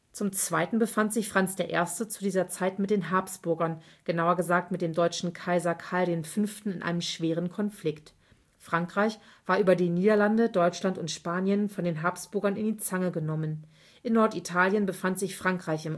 Zum zweiten befand sich Franz I. zu dieser Zeit mit den Habsburgern, genauer gesagt, mit dem deutschen Kaiser Karl V. in einem schweren Konflikt. Frankreich war über die Niederlande, Deutschland und Spanien von den Habsburgern in die Zange genommen, in Norditalien befand sich Frankreich